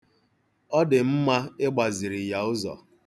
Ọ dị mma ịgbaziri ya ụzọ.